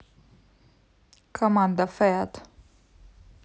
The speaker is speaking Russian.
команда feat